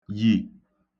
yì